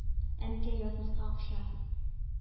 Әнкәй язмаска куша.